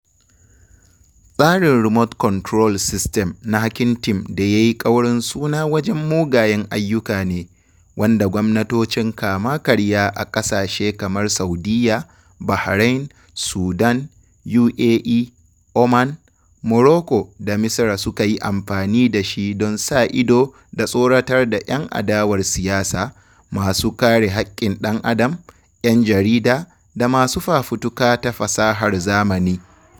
Tsarin “Remote Control System” na Hacking Team da yayi ƙaurin suna wajen mugayen ayyuka ne, wanda gwamnatocin kama karya a ƙasashe kamar Saudiyya, Bahrain, Sudan, UAE, Oman, Morocco da Misira suka yi amfani da shi don sa ido da tsoratar da 'yan adawar siyasa, masu kare haƙƙin ɗan adam, ‘yan jarida, da masu fafutuka ta fasahar zamani.